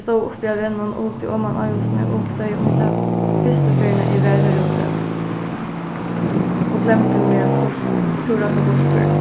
eg stóð uppi á vegnum og hugdi oman á húsini og hugsaði um ta fyrstu ferðina eg var har úti og gloymdi meg púrasta burtur